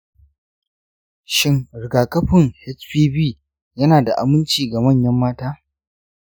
shin rigakafin hpv yana da aminci ga manyan mata?